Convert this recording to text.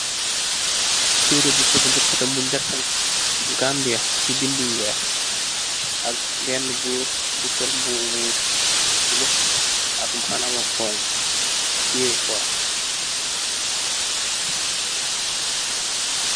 Tereh bu fosal si hetam bu ngeh ka neh Gambia si bendi yu weex ak bena goor bu sol mbuba bu bulo ak mbahana bu xonxa teyeh kora.